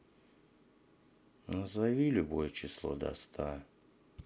назови любое число до ста